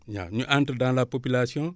waaw ñu entre dans la population